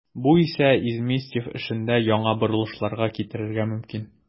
Бу исә Изместьев эшендә яңа борылышларга китерергә мөмкин.